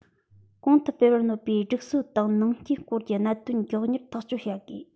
གོང དུ སྤེལ བར གནོད པའི སྒྲིག སྲོལ དང ནང རྐྱེན སྐོར གྱི གནད དོན མགྱོགས མྱུར ཐག གཅོད བྱ དགོས